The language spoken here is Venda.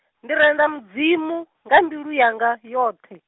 ndi renda Mudzimu, nga mbilu yanga, yoṱhe.